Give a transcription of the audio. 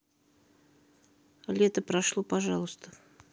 лето прошло пожалуйста